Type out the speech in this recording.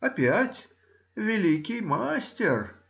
Опять великий мастер.